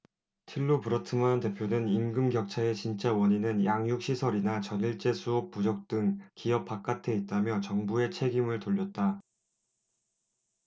틸로 브로트만 대표는 임금 격차의 진짜 원인은 양육 시설이나 전일제 수업 부족 등 기업 바깥에 있다며 정부에 책임을 돌렸다